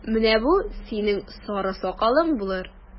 Менә бу синең сары сакалың булыр!